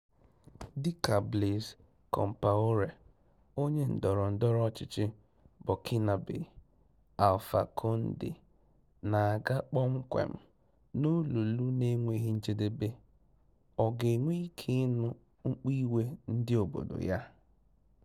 Dị ka Blaise Compaoré [onye ndọrọ ndọrọ ọchịchị Burkinabé] Alpha Condé na-aga kpomkwem n'olulu na-enweghị njedebe, Ọ ga-enwe ike ịnụ mkpu iwe ndị obodo ya?